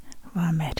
Hva mer?